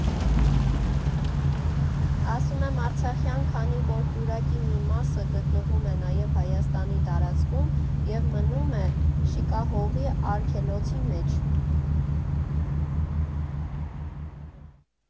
Ասում եմ արցախյան, քանի որ պուրակի մի մասը գտնվում է նաև Հայաստանի տարածքում և մտնում է Շիկահողի արգելոցի մեջ։